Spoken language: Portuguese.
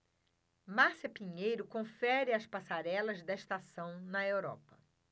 márcia pinheiro confere as passarelas da estação na europa